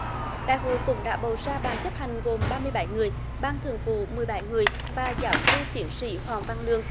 đại hội cũng đã bầu ra ban chấp hành gồm ba mươi bảy người ban thường vụ mười bảy người và giáo sư tiến sĩ hoàng văn lương